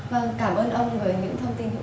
vâng cảm ơn ông